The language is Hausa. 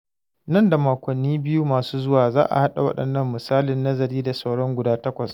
Nan da makwanni biyu masu zuwa za a haɗa waɗannan misalan nazarin da sauran guda takwas.